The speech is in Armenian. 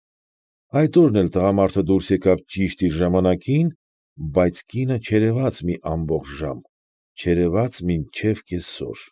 Այդ օրն էլ տղամարդը դուրս եկավ ճիշտ իր ժամանակին, բայց կինը չերևաց մի ամբողջ ժամ, չերևաց մինչև կեսօր։